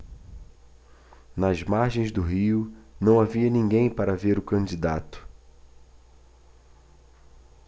nas margens do rio não havia ninguém para ver o candidato